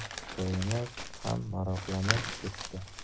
koyinib ham maroqlanib ketdi